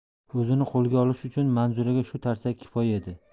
o'zini qo'lga olish uchun manzuraga shu tarsaki kifoya edi